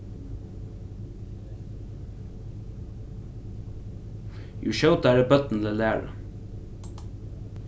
jú skjótari børnini læra